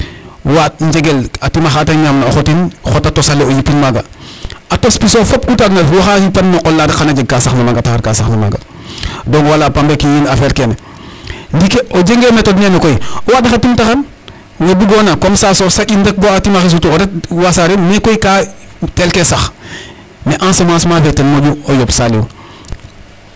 waaɗ njegel xa tim axa ta ñaamna o xotin, xot a tos ale o yipin maaga a tos pis o ku ta waagna ref wo xa yipan no qol la rek xan aa jeg ka saxna maaga .Taxar ka saxna maaga donc wala pambe ke yiin affaire kene, ndiiki o jegangee méthode nene koy o waaɗ xa tim taxar we bugoona comme ca o saƴin rek bo xa tim axe sutu o ret wasaare'in Mais koy ka teelke sax mais en semancement fe ten moƴu yomb Saliou.